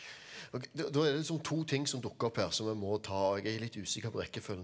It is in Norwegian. ok da da er det liksom to ting som dukket opp her som vi må ta og jeg er litt usikker på rekkefølgen.